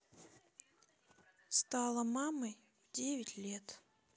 стала мамой в девять лет